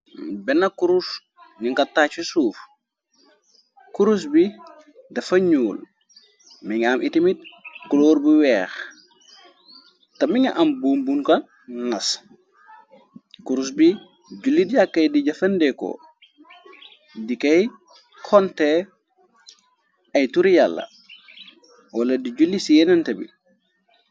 bena kurus njung ko taagi. ci soud kurus bi dafa njul munga am tamit culoor bu weex ta munga am boum mbune ko nas kurus bi julit yakodé jafandiko di kay konte ay turi yàlla wala di juli ci yonente bi